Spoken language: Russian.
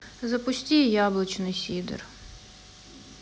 запусти яблочный сидр